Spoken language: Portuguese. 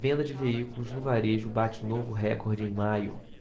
venda de veículos no varejo bate novo recorde em maio